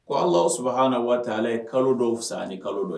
Ko ala sɔrɔ na waati ale ye kalo dɔ fisa ni kalo dɔ ye